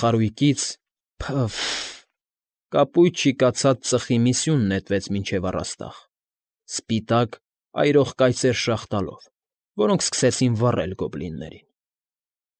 Խարույկից՝ փը՜ֆ֊ֆ֊ֆ֊ֆ, կապույտ շիկացած ծխի մի սյուն նետվեց մինչև առաստաղ, սպիտակ, այրող կայծեր շաղ տալով, որոնք սկսեցին վառել գոբլիններին։